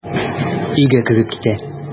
Өйгә кереп китә.